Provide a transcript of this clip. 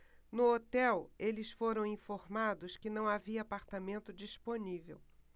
no hotel eles foram informados que não havia apartamento disponível